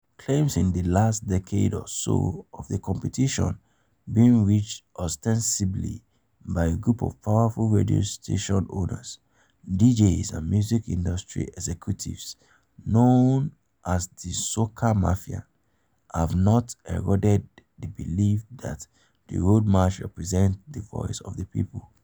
Claims in the last decade or so of the competition being rigged — ostensibly by a group of powerful radio station owners, DJs and music industry executives known as the "soca mafia" — have not eroded the belief that the Road March represents the voice of the people.